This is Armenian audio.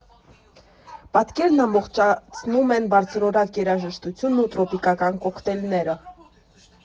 Պատկերն ամբողջացնում են բարձրորակ երաժշտությունն ու տրոպիկական կոկտեյլները։